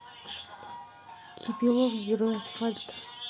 кипелов герой асфальта